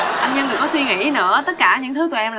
anh nhân đừng có suy nghĩ nữa tất cả những thứ tụi em